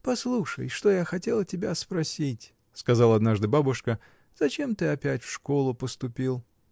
— Послушай, что я хотела тебя спросить, — сказала однажды бабушка, — зачем ты опять в школу поступил?